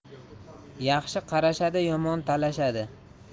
yaxshi qarashadi yomon talashadi